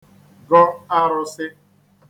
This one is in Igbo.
gọ arụ̄sī